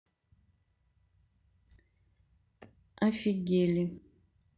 офигели